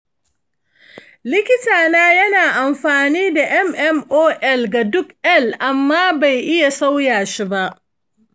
likitana ya na amfani da mmol ga duk l amma ban iya sauya shi ba.